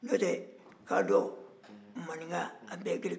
n'o tɛ kaadɔ maninka a bɛɛ ye kelen ye